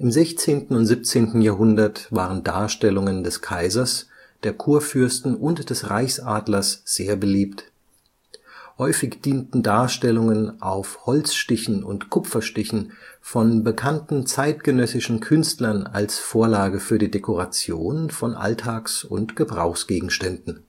16. und 17. Jahrhundert waren Darstellungen des Kaisers, der Kurfürsten und des Reichsadlers sehr beliebt. Häufig dienten Darstellungen auf Holz - und Kupferstichen von bekannten zeitgenössischen Künstlern als Vorlage für die Dekoration von Alltags - und Gebrauchsgegenständen